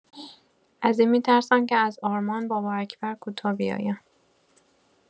از این می‌ترسم که از آرمان بابااکبر کوتاه بیایم.